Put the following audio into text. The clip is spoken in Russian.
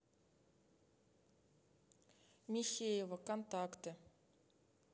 михеева контакты